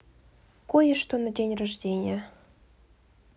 кое что на день рождения